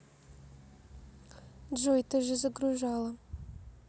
джой ты же загружала